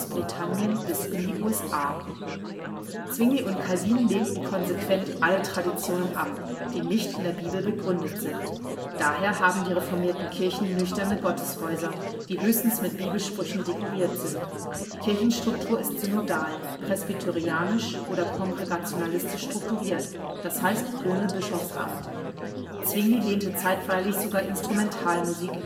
Niederlande, Großbritannien bis in die USA. Zwingli und Calvin lehnten konsequent alle Traditionen ab, die nicht in der Bibel begründet sind. Daher haben die reformierten Kirchen nüchterne Gotteshäuser, die höchstens mit Bibelsprüchen dekoriert sind; die Kirchenstruktur ist synodal, presbyterianisch oder kongregationalistisch strukturiert, d. h. ohne Bischofsamt; Zwingli lehnte zeitweilig sogar Instrumentalmusik